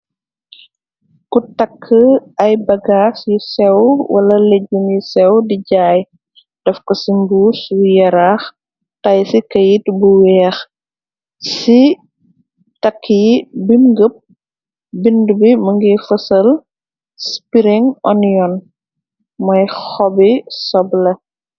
Ku takk ay bagaas yu sew wala lejungi sew di jaay daf ko ci mbuus yu yaraax tay ci keyit bu weex ci takk yi bim gëpp bind bi mëngi fosal spering onion mooy xobi soble.